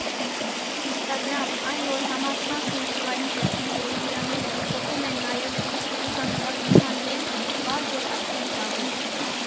Ինստագրամ Այն որ համացանցն ու թվային տեխնոլոգիաները փոխում են նաև լուսանկարչության դեմքը, պարզ էր արդեն վաղուց։